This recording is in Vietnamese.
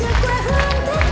lời